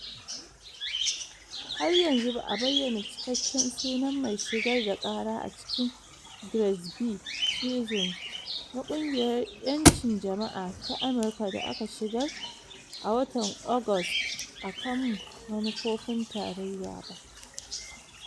Har yanzu ba a bayyana Cikakken sunan mai shigar da ƙara a cikin “Grace v. Sessions” na Ƙungiyar 'Yancin Jama'a ta Amirka da aka shigar a watan Agusta a kan manufofin tarayya ba.